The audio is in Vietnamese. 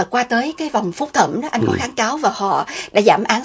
qua tới cái vòng phúc thẩm anh có kháng cáo và họ đã giảm án